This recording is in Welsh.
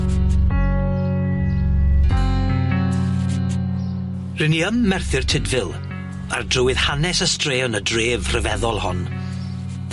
Ry' ni ym Merthyr Tydfil, ar drywydd hanes y straeon y dref rhyfeddol hon.